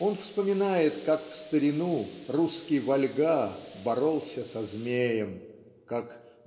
Он вспоминает, как в старину русский Вольга боролся со Змеем, как .